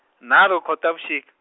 nharhu Khotavuxika.